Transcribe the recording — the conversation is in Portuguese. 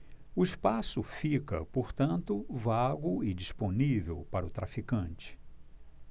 o espaço fica portanto vago e disponível para o traficante